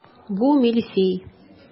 Бу мильфей.